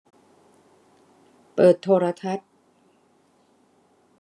เปิดโทรทัศน์